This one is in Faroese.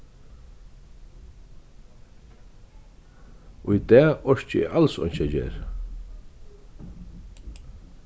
í dag orki eg als einki at gera